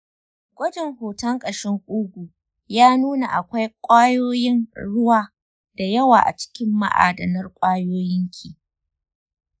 gwajin hoton ƙashin ƙugu ya nuna akwai ƙwayoyin ruwa da yawa a cikin ma’adanar ƙoyayenki.